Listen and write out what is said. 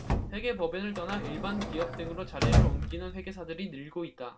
회계법인을 떠나 일반 기업 등으로 자리를 옮기는 회계사들이 늘고 있다